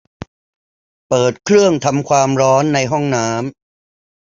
เปิดเครื่องทำความร้อนในห้องน้ำ